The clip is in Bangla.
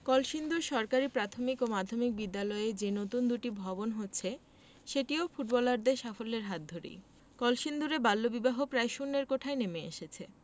কলসিন্দুর সরকারি প্রাথমিক ও মাধ্যমিক বিদ্যালয়ে নতুন যে দুটি ভবন হচ্ছে সেটিও ফুটবলারদের সাফল্যের হাত ধরেই কলসিন্দুরে বাল্যবিবাহ প্রায় শূন্যের কোঠায় নেমে এসেছে